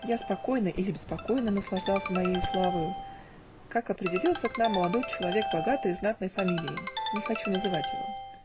Я спокойно (или беспокойно) наслаждался моею славою, как определился к нам молодой человек богатой и знатной фамилии (не хочу назвать его).